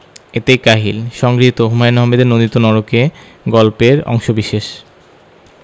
এতেই কাহিল সংগৃহীত হুমায়ুন আহমেদের নন্দিত নরকে গল্প এর অংশবিশেষ